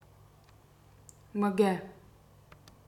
མི དགའ